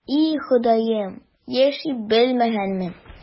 И, Ходаем, яши белмәгәнмен...